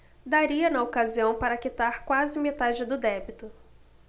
daria na ocasião para quitar quase metade do débito